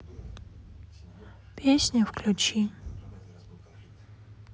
песню выключи